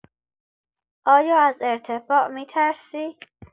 آیا از ارتفاع می‌ترسی؟